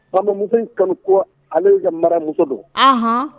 Bamuso in kanu ko ale ye ka maramuso don